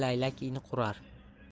laylak in qurar